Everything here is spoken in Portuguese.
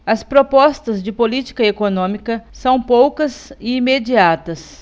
as propostas de política econômica são poucas e imediatas